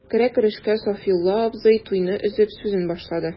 Керә-керешкә Сафиулла абзый, туйны өзеп, сүзен башлады.